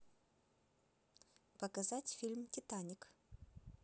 показать фильм титаник